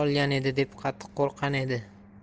olgan edi deb qattiq qo'rqqan edi